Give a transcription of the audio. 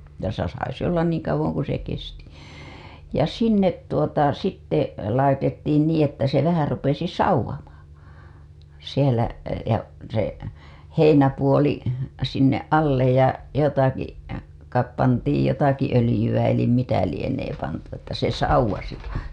ja - sai se olla niin kauan kuin se kesti ja sinne tuota sitten laitettiin niin että se vähän rupesi savuamaan siellä ja se heinäpuoli sinne alle ja jotakin kai pantiin jotakin öljyä eli mitä lienee pantu että se savusi